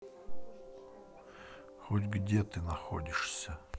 хоть где ты находишься